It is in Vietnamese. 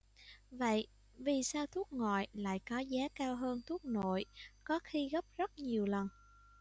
vậy vì sao thuốc ngoại lại có giá cao hơn thuốc nội có khi gấp rất nhiều lần